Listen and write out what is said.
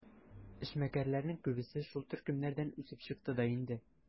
Эшмәкәрләрнең күбесе шул төркемнәрдән үсеп чыкты да инде.